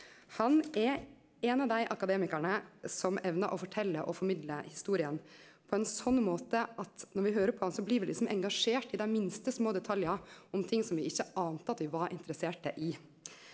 han er ein av dei akademikarane som evnar å fortelje og formidle historia på ein sånn måte at når vi høyrer på han så blir vi liksom engasjert i dei minste små detaljane om ting som vi ikkje ante at vi var interesserte i.